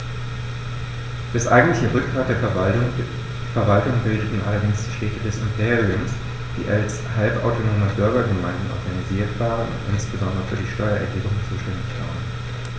Das eigentliche Rückgrat der Verwaltung bildeten allerdings die Städte des Imperiums, die als halbautonome Bürgergemeinden organisiert waren und insbesondere für die Steuererhebung zuständig waren.